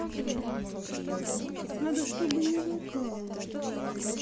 надо чтобы не лагала